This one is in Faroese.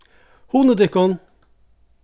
hugnið tykkum